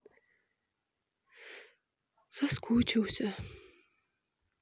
соскучился